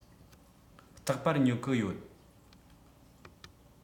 རྟག པར ཉོ གི ཡོད